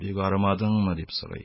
Бик арымадыңмы?- дип сорый